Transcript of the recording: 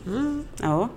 Un aw